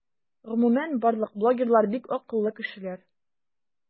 Гомумән барлык блогерлар - бик акыллы кешеләр.